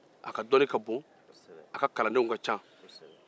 a ka dɔnni ka bon a ka kalandenw ka ca